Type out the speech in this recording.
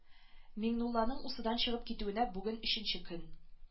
Миңнулланың усыдан чыгып китүенә бүген өченче көн